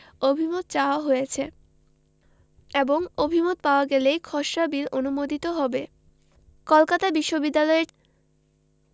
অভিমত চাওয়া হয়েছে এবং অভিমত পাওয়া গেলেই খসড়া বিল অনুমোদিত হবে কলকাতা বিশ্ববিদ্যালয়ের